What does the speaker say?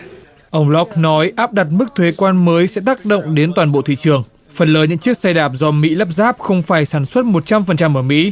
ông lốc nói áp đặt mức thuế quan mới sẽ tác động đến toàn bộ thị trường phần lớn những chiếc xe đạp do mỹ lắp ráp không phải sản xuất một trăm phần trăm ở mỹ